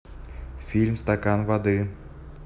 фильм стакан воды